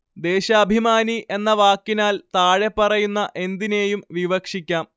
ദേശാഭിമാനി എന്ന വാക്കിനാൽ താഴെപ്പറയുന്ന എന്തിനേയും വിവക്ഷിക്കാം